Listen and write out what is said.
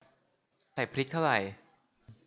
ใส่พริกเท่าไร